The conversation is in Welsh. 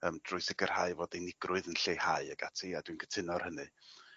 Yym drwy sicirhau fod unigrwydd yn lleihau ag ati a dwi'n cytuno ar hynny.